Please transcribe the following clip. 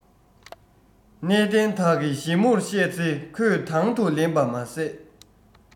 གནས བརྟན དག གིས ཞིབ མོར བཤད ཚེ ཁོས དང དུ ལེན པ མ ཟད